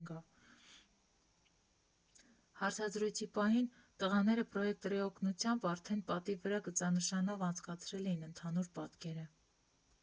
Հարցազրույցի պահին, տղաները պրոյեկտորի օգնությամբ արդեն պատի վրա գծանշանով անցկացրել էին ընդհանուր պատկերը։